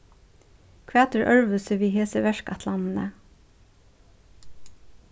hvat er øðrvísi við hesi verkætlanini